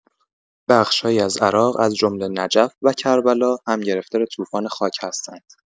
بخش‌هایی از عراق از جمله نجف و کربلا هم گرفتار طوفان خاک هستند.